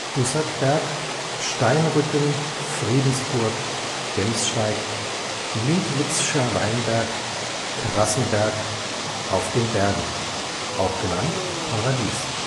Bussardberg Steinrücken Friedensburg Gemssteig Minkwitzscher Weinberg Terrassenberg Auf den Bergen (auch: Paradies